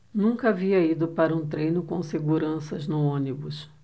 nunca havia ido para um treino com seguranças no ônibus